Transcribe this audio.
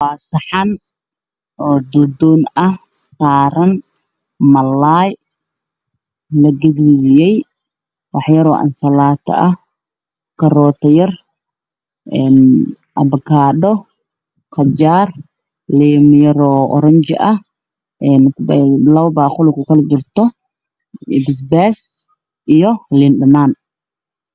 Waa saxan qalin ah waxaa saran malaay laga duudiyay